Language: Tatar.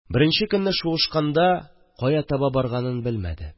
Беренче көнне шуышканда кая таба барганын белмәде.